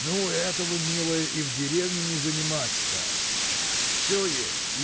– Ну, этого, милая, и в деревне не занимать стать все есть